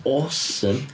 Awesome.